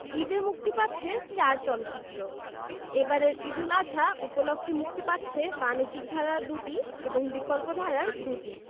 ঈদে মুক্তি পাচ্ছে চার চলচ্চিত্র এবারের ঈদ উল আযহা উপলক্ষে মুক্তি পাচ্ছে বাণিজ্যিক ধারার দুটি এবং বিকল্পধারার দুটি